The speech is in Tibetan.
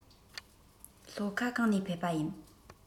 ལྷོ ཁ གང ནས ཕེབས པ ཡིན